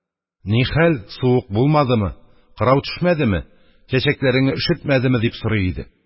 – нихәл, суык булмадымы? кырау төшмәдеме? чәчәкләреңне өшетмәдеңме? – дип сорый иде.